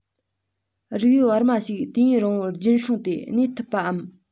རིགས དབྱིབས བར མ ཞིག དུས ཡུན རིང པོར རྒྱུན བསྲིངས ཏེ གནས ཐུབ པའམ